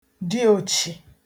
diòchì